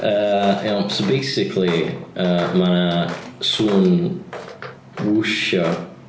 Yy iawn, so basically mae 'na sŵn wwsio